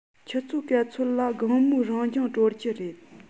ཆུ ཚོད ག ཚོད ལ དགོང མོའི རང སྦྱོང གྲོལ གྱི རེད